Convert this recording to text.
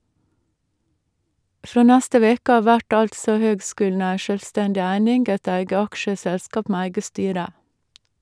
Frå neste veke av vert altså høgskulen ei sjølvstendig eining, eit eige aksjeselskap med eige styre.